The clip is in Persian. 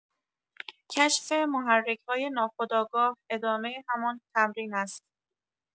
کشف محرک‌های ناخودآگاه ادامه همان تمرین است.